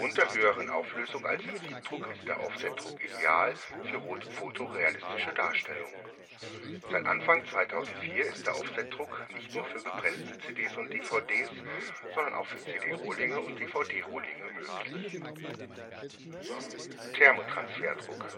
der höheren Auflösung als im Siebdruck ist der Offsetdruck ideal für fotorealistische Darstellungen. Seit Anfang 2004 ist der Offsetdruck nicht nur für gepresste CDs und DVDs, sondern auch für CD-Rohlinge und DVD-Rohlinge möglich. Thermotransferdruck